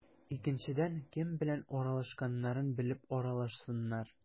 Икенчедән, кем белән аралашканнарын белеп аралашсыннар.